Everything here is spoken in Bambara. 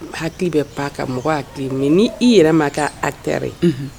Hakili bɛ pan kan mɔgɔ hakili ni i yɛrɛ ma' a taara ye